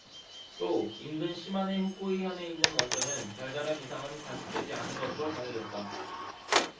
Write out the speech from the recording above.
또 인근 시마네 후쿠이현에 있는 원전은 별다른 이상은 관측되지 않은 것으로 전해졌다